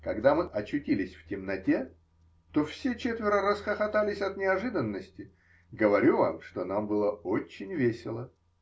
Когда мы очутились в темноте, то все четверо расхохотались от неожиданности -- говорю вам, что нам было очень весело.